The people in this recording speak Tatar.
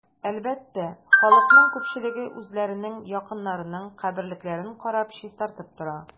Әлбәттә, халыкның күпчелеге үзләренең якыннарының каберлекләрен карап, чистартып тора.